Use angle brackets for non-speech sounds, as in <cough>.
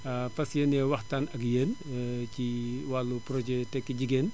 <hesitation> fas yéene waxtaan ak yéen <hesitation> ci <hesitation> wàllu projet tekki jigéen